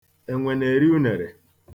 Enwe na-eri unere.